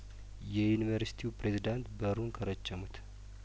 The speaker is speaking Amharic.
የዩኒቨርስቲው ፕሬዚዳንት በሩን ከረቸሙት